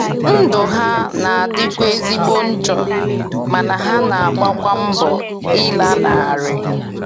Ndụ ha na-adịkwa ezigbo njọ ma ha na-agbakwa mbọ ịlanarị.